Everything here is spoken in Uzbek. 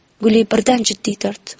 guli birdan jiddiy tortdi